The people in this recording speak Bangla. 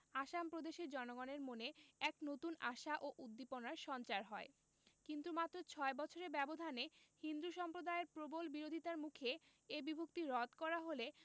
আসাম প্রদেশের জনগণের মনে এক নতুন আশা ও উদ্দীপনার সঞ্চার হয় কিন্তু মাত্র ছয় বছরের ব্যবধানে হিন্দু সম্প্রদায়ের প্রবল বিরোধিতার মুখে এ বিভক্তি রদ করা হলে